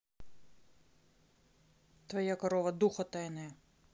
твоя корова духа тайная